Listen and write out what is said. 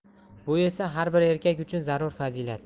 bu esa har bir erkak uchun zarur fazilat